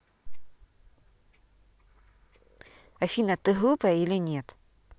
афина ты глупая или нет